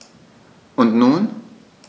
Und nun?